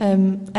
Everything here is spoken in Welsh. yym